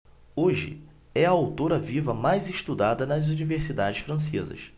hoje é a autora viva mais estudada nas universidades francesas